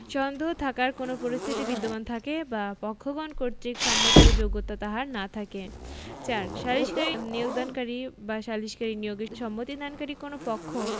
সন্দেহ থাকার কোন পরিস্থিতি বিদ্যমান থাকে বা পক্ষগণ কর্তৃক সম্মত যোগ্যতা তাহার না থাকে ৪ সালিসকারী নিয়োগদানকারী বা সালিসকারী নিয়োগে সম্মতিদানকারী কোন পক্ষ